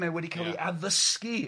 mae wedi cael ei addysgu ,